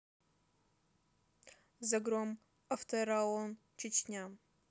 разгром автораон чечня